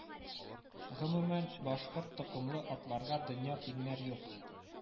Гомумән, башкорт токымлы атларга дөньяда тиңнәр юк